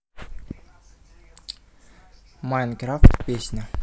minecraft песня